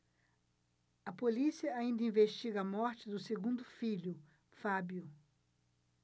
a polícia ainda investiga a morte do segundo filho fábio